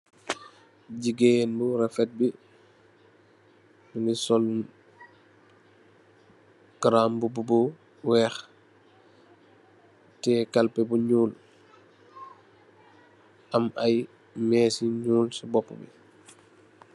Jegain bu refet bu muge sol garamubu bu weex teye kalpeh bu nuul am aye mess yu nuul se bopoube.